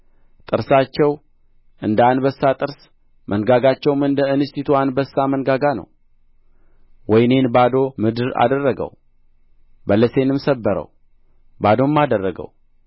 ጥርሳቸው እንደ አንበሳ ጥርስ መንጋጋቸውም እንደ እንስቲቱ አንበሳ መንጋጋ ነው ወይኔን ባዶ ምድር አደረገው በለሴንም ሰበረው ባዶም አደረገው